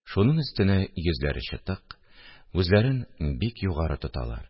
Шуның өстенә йөзләре чытык, үзләрен бик югары тоталар